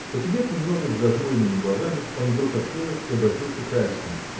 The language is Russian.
Посидев немного с зажмуренными глазами, он вдруг открыл их и обратился к Райскому.